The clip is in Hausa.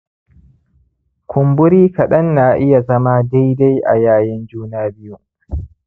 kumburi kaɗan na iya zama dai-dai a yayin juna-biyu